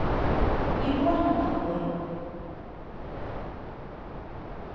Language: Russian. не больно такой